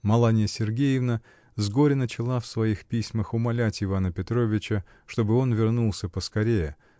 Маланья Сергеевна с горя начала в своих письмах умолять Ивана Петровича, чтобы он вернулся поскорее